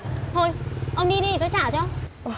thôi ông đi đi để tôi trả cho